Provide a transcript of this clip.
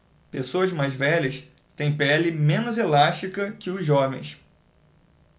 pessoas mais velhas têm pele menos elástica que os jovens